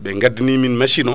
ɓe gaddani min machine o